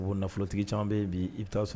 U nafolotigi caman bɛ bi i bɛ taaa sɔrɔ